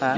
waaw